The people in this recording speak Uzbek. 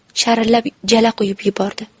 sharillab jala quyib yubordi